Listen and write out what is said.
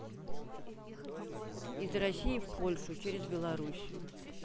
из россии в польшу через белоруссию